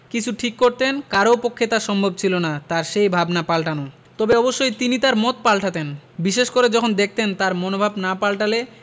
কিছু ঠিক করতেন কারও পক্ষেই তা সম্ভব ছিল না তাঁর সেই ভাবনা পাল্টানো তবে অবশ্যই তিনি তাঁর মত পাল্টাতেন বিশেষ করে যখন দেখতেন তাঁর মনোভাব না পাল্টালে